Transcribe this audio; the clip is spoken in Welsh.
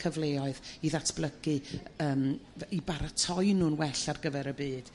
cyfleoedd i ddatblygu yrm i baratoi nhw'n well ar gyfer y byd.